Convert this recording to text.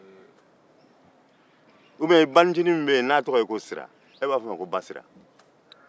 u biyɛn i banin ncinin min bɛ yen ko sira e b'a fɔ a ma ko basira